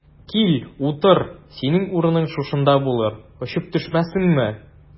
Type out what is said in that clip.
Кил, утыр, синең урының шушында булыр, очып төшмәссеңме?